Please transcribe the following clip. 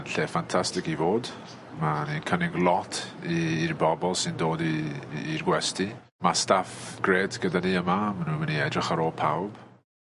...yn lle ffantastig i fod ma'n yy cynnig lot i'r bobol sy'n dod i i i'r gwesty ma' staff grêt gyda ni yma ma' n'w myn' i edrych ar ôl pawb